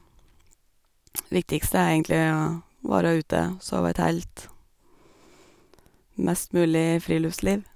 Viktigste er egentlig å være ute, sove i telt, mest mulig friluftsliv.